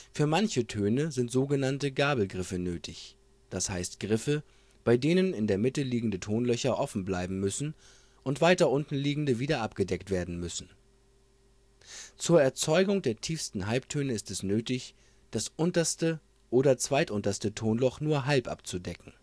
Für manche Töne sind so genannte Gabelgriffe nötig, das heißt Griffe, bei denen in der Mitte liegende Tonlöcher offen bleiben müssen und weiter unten liegende wieder abgedeckt werden müssen. Zur Erzeugung der tiefsten Halbtöne ist es nötig, das unterste oder zweitunterste Tonloch nur halb abzudecken